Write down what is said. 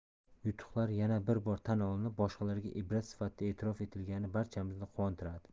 yutuqlar yana bir bor tan olinib boshqalarga ibrat sifatida e'tirof etilgani barchamizni quvontiradi